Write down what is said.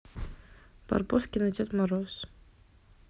барбоскины дед мороз